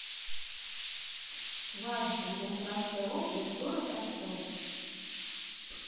свадьба ярославская область город ростов